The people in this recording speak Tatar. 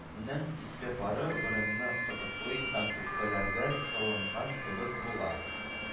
Нең исле пары борынны кытыклый һәм үпкәләргә сыланган кебек була